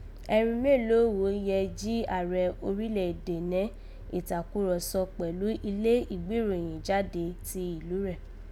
Ẹ̀rìn mélòó gho yẹ jí àárẹ̀ orílẹ̀ èdè nẹ́ ìtakùrọ̀sọ kpẹ̀lú ilé ìgbéròyìn jáde ti ìlú rẹ̀?